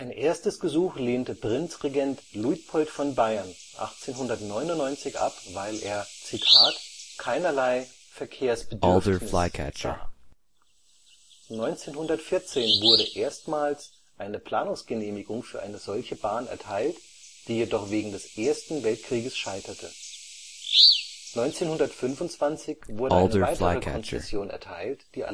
erstes Gesuch lehnte Prinzregent Luitpold von Bayern 1899 ab, weil er „ keinerlei Verkehrsbedürftnis “sah. 1914 wurde erstmals eine Planungsgenehmigung für eine solche Bahn erteilt, die jedoch wegen des Ersten Weltkrieges scheiterte. 1925 wurde eine weitere Konzession erteilt, die